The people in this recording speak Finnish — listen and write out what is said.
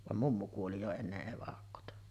vaan mummu kuoli jo ennen evakkoa